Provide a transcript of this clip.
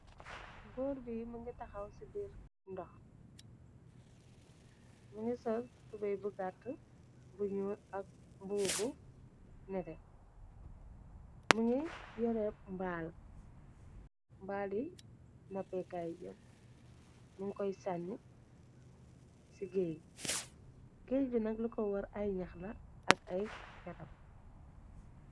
Góor bi mi ngi taxaw ci biir ndox mu ngi sol tubey bu gàtt bunu ak mboobu nete mi ngi yereb bmbaali napekay yar mun koy sànni ci géej géej binag la ko war ay ñax la ak ay garab.